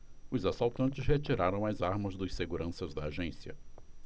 os assaltantes retiraram as armas dos seguranças da agência